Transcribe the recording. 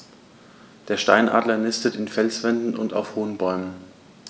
Der Steinadler nistet in Felswänden und auf hohen Bäumen.